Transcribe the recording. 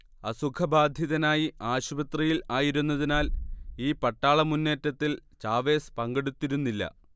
അസുഖബാധിതനായി ആശുപത്രിയിൽ ആയിരുന്നതിനാൽ ഈ പട്ടാളമുന്നേറ്റത്തിൽ ചാവേസ് പങ്കെടുത്തിരുന്നില്ല